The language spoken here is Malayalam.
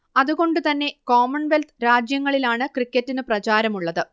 അതുകൊണ്ടുതന്നെ കോമൺവെൽത്ത് രാജ്യങ്ങളിലാണ് ക്രിക്കറ്റിനു പ്രചാരമുള്ളത്